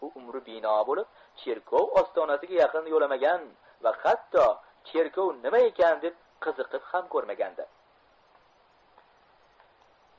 u umri bino bo'lib cherkov ostonasiga yaqin yo'lamagan va hatto cherkov nima ekan deb qiziqib ko'rmagandi